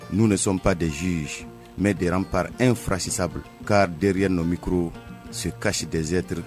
N'u desɔn pa dezuy mɛ de anp efasibu k'a d ninnu bɛkuru sekasidsɛnteurte